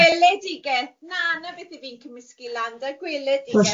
O gweledigeth na, na be fi'n cymysgu lan de gweledigaeth... Fylle.